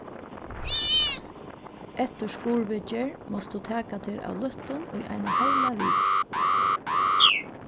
eftir skurðviðgerð mást tú taka tær av løttum í eina heila viku